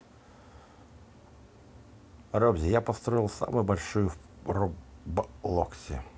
robzi я построил самую большую в роблоксе